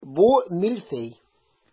Бу мильфей.